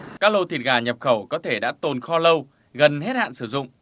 các lô thịt gà nhập khẩu có thể đã tồn kho lâu gần hết hạn sử dụng